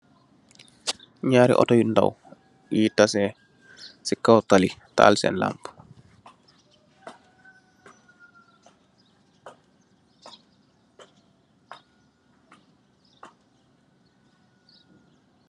Ñaari Otto yu ndaw yui tasèh ci kaw tali tahal sèèn lampú.